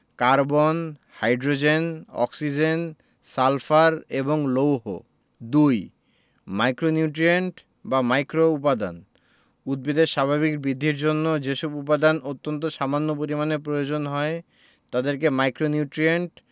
carbon hydrogen oxygen sulphur এবং লৌহ ২ micronutrient বা মাইক্রোউপাদান উদ্ভিদের স্বাভাবিক বৃদ্ধির জন্য যেসব উপাদান অত্যন্ত সামান্য পরিমাণে প্রয়োজন হয় তাদেরকে মাইক্রোনিউট্রিয়েন্ট